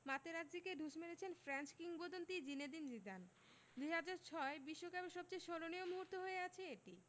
মাতেরাজ্জিকে ঢুস মেরেছেন ফ্রেঞ্চ কিংবদন্তি জিনেদিন জিদান ২০০৬ বিশ্বকাপের সবচেয়ে স্মরণীয় মুহূর্ত হয়ে আছে এটি